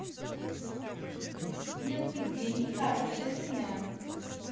нет евгений хороший меня